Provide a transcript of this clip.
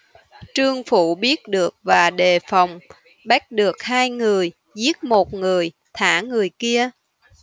trương phụ biết được và đề phòng bắt được hai người giết một người thả người kia